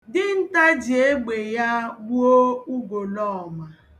Dinta ji egbe ya gbuo ugolọọma.